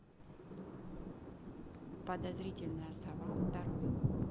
подозрительная сова второй